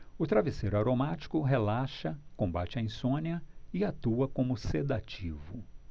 o travesseiro aromático relaxa combate a insônia e atua como sedativo